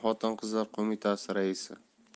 xotin qizlar qo'mitasi raisi